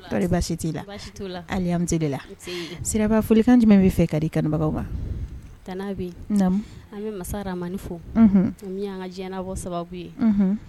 Basi t' la ali de la siraba folikan jumɛn bɛ fɛ ka di kanubagaw bɛ an bɛ masa fɔ anan ka diɲɛ bɔ sababu ye